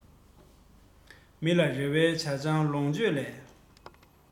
མི ལ རེ བའི ཇ ཆང ལོངས སྤྱོད ལས